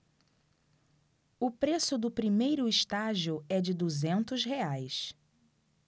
o preço do primeiro estágio é de duzentos reais